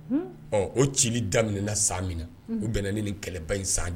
Ɔ o ci daminɛminɛna san minɛ u bɛn ni ni kɛlɛba in san